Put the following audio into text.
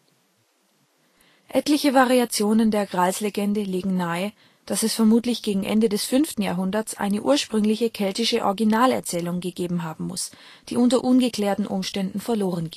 Etliche Variationen der Gralslegende legen nahe, dass es vermutlich gegen Ende des 5. Jahrhunderts eine ursprüngliche keltische Originalerzählung gegeben haben muss, die unter ungeklärten Umständen verloren